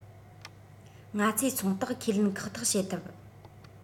ང ཚོའི ཚོང རྟགས ཁས ལེན ཁག ཐེག བྱེད ཐུབ